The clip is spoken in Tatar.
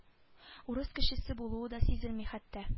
Урыс кешесе булуы да сизелми хәтта